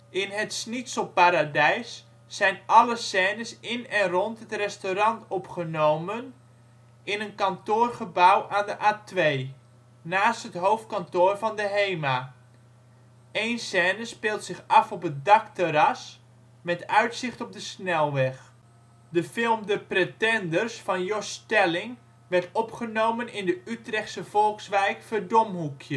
In Het Schnitzelparadijs zijn alle scènes in en rond het restaurant opgenomen in een kantoorgebouw aan de A2, naast het hoofdkantoor van de Hema. Eén scène speelt zich af op het dakterras, met uitzicht op de snelweg. De film De Pretenders van Jos Stelling werd opgenomen in de Utrechtse volkswijk Verdomhoekje